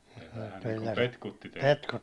vähän niin kuin petkutti teitä